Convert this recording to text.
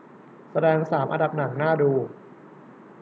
แสดงสามอันดับหนังน่าดู